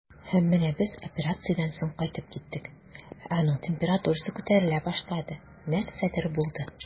Һәм менә без операциядән соң кайтып киттек, ә аның температурасы күтәрелә башлады, нәрсәдер булды.